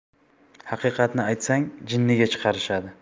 haqiqatni aytsang jinniga chiqarishadi